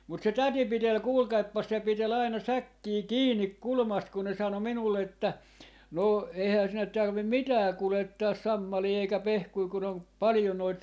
mutta se täti piteli kuulkaapas se piteli aina säkkiä kiinni kulmasta kun ne sanoi minulle että no eihän sinne tarvitse mitään kuljettaa sammalia eikä pehkuja kun on paljon noita